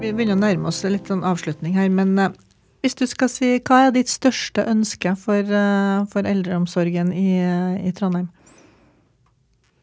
vi begynner å nærme oss en litt sånn avslutning her men hvis du skal si hva er ditt største ønske for for eldreomsorgen i i Trondheim?